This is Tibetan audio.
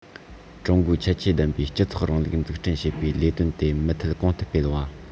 ཀྲུང གོའི ཁྱད ཆོས ལྡན པའི སྤྱི ཚོགས རིང ལུགས འཛུགས སྐྲུན བྱེད པའི ལས དོན དེ མུ མཐུད གོང དུ སྤེལ བ